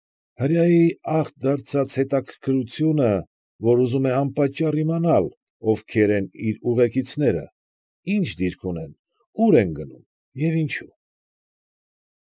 Հրեայի ախտ դարձած հետաքրքրությունը, որ ուզում է անպատճառ իմանալ. ովքե՞ր են իր ուղեկիցները, ի՞նչ դիրք ունին, ո՞ւր են գնում և ինչո՞ւ։